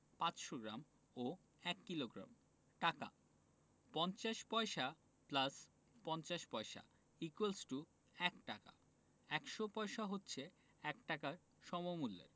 ৫০০ gram ও ১ kilogram টাকা ৫০ পয়সা + ৫০ পয়স = ১ টাকা ১০০ পয়সা হচ্ছে ১টাকার সমমূল্যের